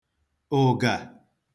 ụ̀gà